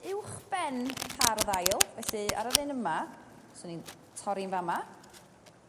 uwchben par o ddail felly ar yr un yma swn i'n torri'n fa' 'ma.